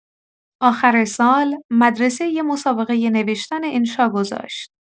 آخر سال، مدرسه یه مسابقه نوشتن انشا گذاشت.